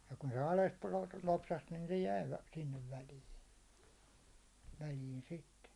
ja kun se alas - lopsahti niin se jäi sinne väliin väliin sitten